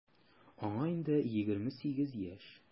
Аңа инде 28 яшь.